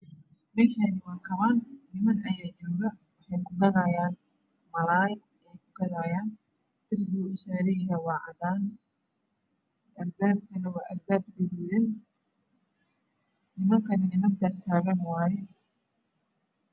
Meshan waa kawan niman waxay kugadayan malay darbiga oo usaranyahay waa cadan albabkan waa albaab gaduudan nimankan waa niman tagtagan